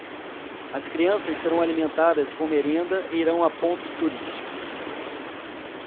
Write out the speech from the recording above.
as crianças serão alimentadas com merenda e irão a pontos turísticos